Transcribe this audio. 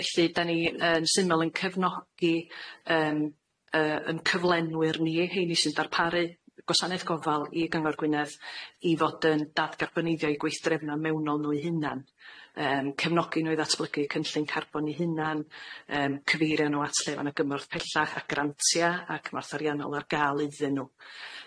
Felly da ni yn syml yn cefnogi yn yy yn cyflenwyr ni rheini sy'n darparu gwasanaeth gofal i gyngor Gwynedd i fod yn dadgarboniddio i gweithdrefna mewnol n'w 'u hunan yym cefnogi n'w i ddatblygu cynllun carbon 'u hunan yym cyfeirio n'w at llefyn y gymorth pellach a grantia ac math ariannol ar ga'l iddyn n'w.